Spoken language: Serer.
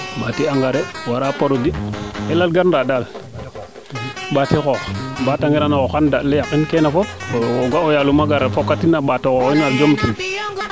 mba engrais wala produit lal ganra daal mbaati xoox o mbaata ngirano xoox xan daand le yaqin keene fop o ga o yaalum a gara fokatin a gara mbaato jom tin